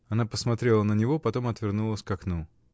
Она посмотрела на него, потом отвернулась к окну.